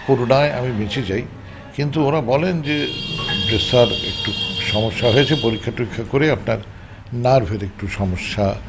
করুনায় আমি বেঁচে যাই কিন্তু ওরা বলেন যে যে স্যার একটু সমস্যা হয়েছে পরীক্ষা টরীক্ষা করে আপনার নার্ভের একটু সমস্যা